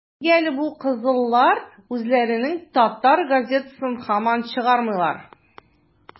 - нигә әле бу кызыллар үзләренең татар газетасын һаман чыгармыйлар?